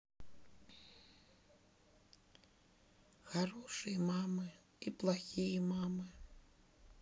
хорошие мамы и плохие мамы